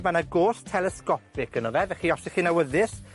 ma' 'na go's telesgopig ano fe, flly os 'dych chi'n awyddus